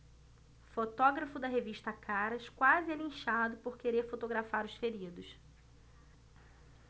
fotógrafo da revista caras quase é linchado por querer fotografar os feridos